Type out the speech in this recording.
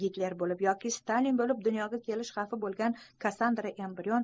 gitler bo'lib yoki stalin bo'lib dunyoga kelish xavfi bo'lgan kassandra embrion